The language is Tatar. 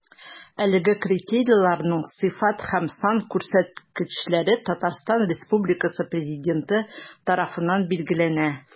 Әлеге критерийларның сыйфат һәм сан күрсәткечләре Татарстан Республикасы Президенты тарафыннан билгеләнә.